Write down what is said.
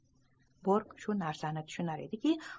bork shu narsani tushunar ediki